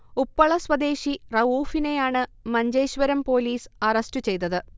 ഉപ്പള സ്വദേശി റഊഫിനെയാണ് Manjeshwaram police arrest ചെയ്തത്